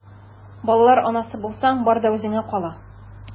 Балалар анасы булсаң, бар да үзеңә кала...